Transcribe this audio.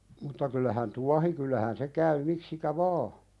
mutta kyllähän tuohi kyllähän se käy miksikä vain